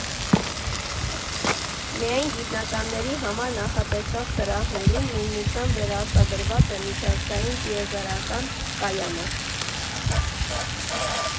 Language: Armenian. Միայն գիտնականների համար նախատեսված սրահներում նույնությամբ վերարտադրված է միջազգային տիեզերական կայանը։